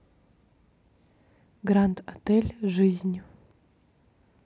гранд отель жизнь